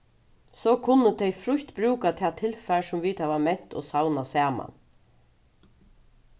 so kunnu tey frítt brúka tað tilfar sum vit hava ment og savnað saman